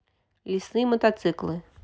лесные мотоциклы